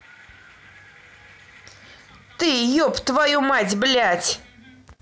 ты еб твою мать блядь